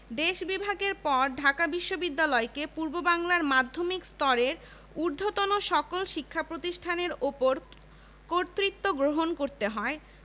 প্রযুক্তি প্রশাসন কূটনীতি জনসংযোগ রাজনীতি ব্যবসা বাণিজ্য ও শিল্প কারখানায় নিয়োজিত রয়েছেন তাঁদের প্রায় ৭০ শতাংশ এসেছেন এ বিশ্ববিদ্যালয় থেকে শিক্ষালাভ করে